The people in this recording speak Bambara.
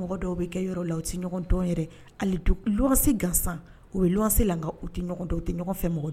Mɔgɔ dɔw bɛ kɛ yɔrɔ la, u tɛ ɲɔgɔndɔn yɛrɛ hali du loyer gansan u bɛ loyer la nka u tɛ ɲɔgɔn dɔn u tɛ ɲɔgɔn fɛmɔgɔ